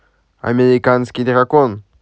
американский дракон